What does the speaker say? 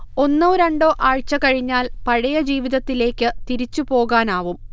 ഒന്നോ രണ്ടോ ആഴ്ച കഴിഞ്ഞാൽ പഴയ ജീവിതത്തിലേക്കു തിരിച്ചു പോകാനാവും